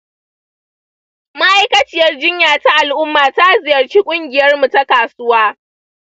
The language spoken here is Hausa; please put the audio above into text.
ma’aikaciyar jinya ta al’umma ta ziyarci ƙungiyarmu ta kasuwa.